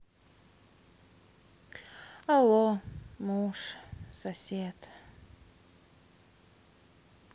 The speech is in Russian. алло муж сосед